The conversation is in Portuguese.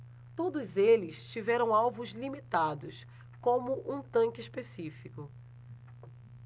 todos eles tiveram alvos limitados como um tanque específico